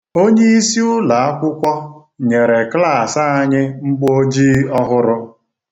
Onyiisi ụlọakwụkwọ nyere klaasị anyị mgboojii ọhụrụ.